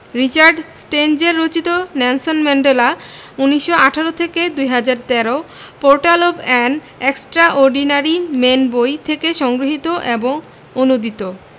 Richard Stengel রচিত Nelson Mandela ১৯১৮ ২০১৩ portrait of an extraordinary man বই থেকে সংগৃহীত ও অনূদিত